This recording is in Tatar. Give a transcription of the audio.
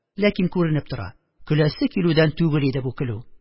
Ләкин күренеп тора: көләсе килүдән түгел иде бу көлү